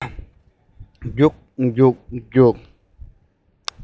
རྒྱུགས རྒྱུགས རྒྱུགས